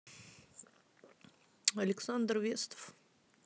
александр вестов